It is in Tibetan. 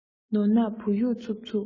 ནོར ནག བུ ཡུག ཚུབ ཚུབ